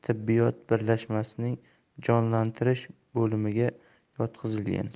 tibbiyot birlashmasining jonlantirish bo'limiga yotqizilgan